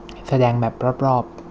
แสดงแมพรอบรอบ